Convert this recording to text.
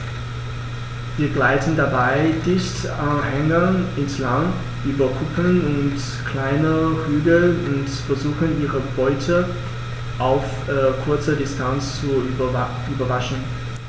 Sie gleiten dabei dicht an Hängen entlang, über Kuppen und kleine Hügel und versuchen ihre Beute auf kurze Distanz zu überraschen.